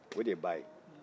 o de ya ba ye